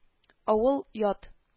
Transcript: Авыл ят